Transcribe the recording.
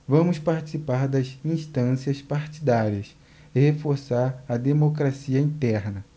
vamos participar das instâncias partidárias e reforçar a democracia interna